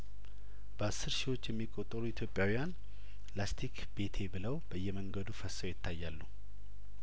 በአስር ሺዎች የሚቆጠሩ ኢትዮጵያዊያን ላስቲክ ቤቴ ብለው በየመንገዱ ፈስሰው ይታያሉ